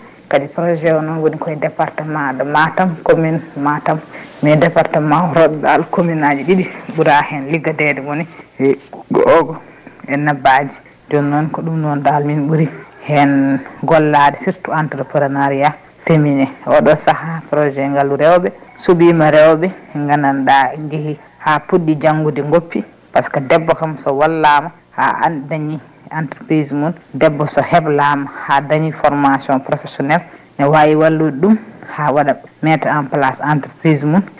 kadi projet o noon woni koye département de Matam commune Matam mais département o waɗi dal commune aji ɗiɗi ɓuura hen liggadede woni Ogo et Nabadji joni noon ko noon dal min ɓuuri hen gollade surtout entreprenariat féminin oɗo saaha projet ngaalu rewɓe suuɓima rewɓe gandanɗa jeehi ha puɗɗi janggude goppi par ce que debbo kam so wallama ha dañi entreprise mum debbo so heblama ha dañi formation professionnel :frane wawi wallude ɗum ha waɗa mettre en place entreprise mum